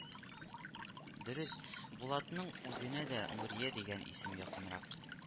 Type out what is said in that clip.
Дөрес, Булатның үзенә дә Нурия дигән исем якынрак